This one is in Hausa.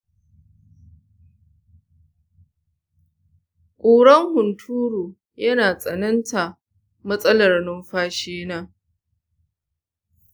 ƙuran hunturu yana tsananta matsalar numfashina.